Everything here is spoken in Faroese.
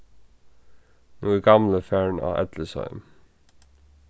nú er gamli farin á ellisheim